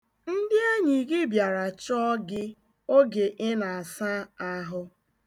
Ndị enyi gị bịara chọọ gị oge ị na-asa ahụ